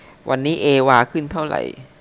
วันนี้เอวาขึ้นเท่าไหร่